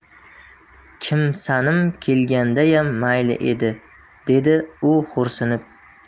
kimsanim kelgandayam mayli edi dedi u xo'rsinib